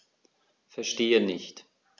Verstehe nicht.